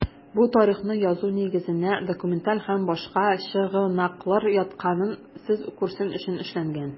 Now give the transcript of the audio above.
Бу тарихны язу нигезенә документаль һәм башка чыгынаклыр ятканын сез күрсен өчен эшләнгән.